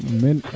amiin